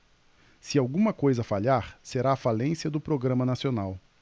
se alguma coisa falhar será a falência do programa nacional